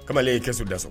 Kamalen y' i kiso dasɔn